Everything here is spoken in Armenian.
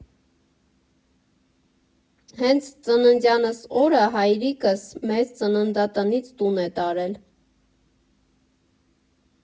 Հենց ծննդյանս օրը հայրիկս մեզ ծննդատանից տուն է տարել.